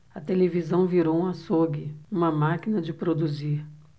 a televisão virou um açougue uma máquina de produzir